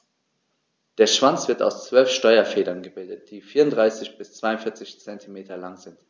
Der Schwanz wird aus 12 Steuerfedern gebildet, die 34 bis 42 cm lang sind.